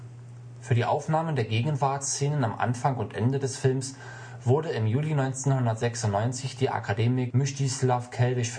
Für die Aufnahmen der Gegenwarts-Szenen am Anfang und Ende des Films wurde im Juli 1996 die Akademik Mstislav Keldysh